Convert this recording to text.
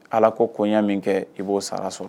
Ala ko koya min kɛ i b'o sara sɔrɔ